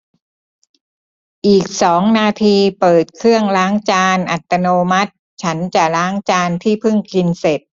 อีกสองนาทีเปิดเครื่องล้างจานอัตโนมัติฉันจะล้างจานที่เพิ่งกินเสร็จ